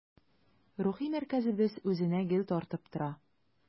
Рухи мәркәзебез үзенә гел тартып тора.